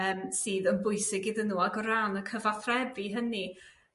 yym sydd yn bwysig iddyn nhw, ag o ran y cyfathrebu hynny